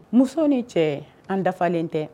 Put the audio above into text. Muso ni cɛ an dafalen tɛ